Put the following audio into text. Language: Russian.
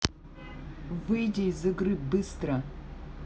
выйди из игры быстро